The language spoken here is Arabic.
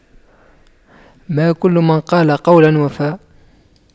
ما كل من قال قولا وفى